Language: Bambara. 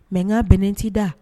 Mais n ka bɛnnen ti da.